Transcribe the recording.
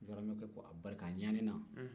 jɔkɔranmɛkɛ ko a barika a ɲakalila